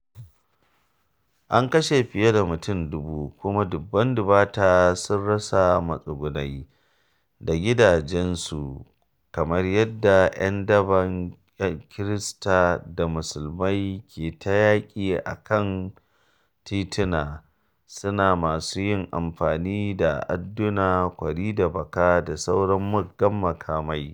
An kashe fiye da mutane 1,000 kuma dubun-dubata sun rasa matsugunai daga gidajensu kamar yadda ‘yan daba Kirista da Musulmai ke ta yaƙi a kan tituna, suna masu yin amfani da adduna, kwari da baka, da sauran muggan makamai.